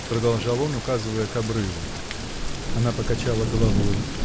— продолжал он, указывая к обрыву. Она покачала головой.